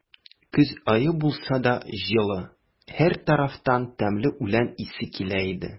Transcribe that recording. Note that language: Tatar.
Көз ае булса да, җылы; һәр тарафтан тәмле үлән исе килә иде.